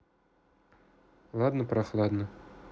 ладно прохладно